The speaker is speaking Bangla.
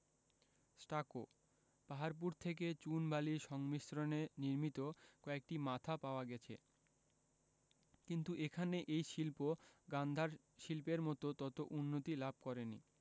স্টাকোঃ পাহাড়পুর থেকে চুন বালির সংমিশ্রণে নির্মিত কয়েকটি মাথা পাওয়া গেছে কিন্তু এখানে এই শিল্প গান্ধার শিল্পের মত তত উন্নতি লাভ করে নি